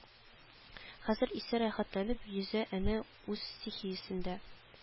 Хәзер исә рәхәтләнеп йөзә әнә үз стихиясендә